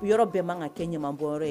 Yɔrɔ bɛɛ man ka kɛ ɲamanbɔyɔrɔ ye